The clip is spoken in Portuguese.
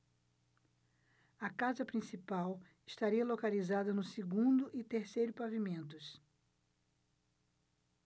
a casa principal estaria localizada no segundo e terceiro pavimentos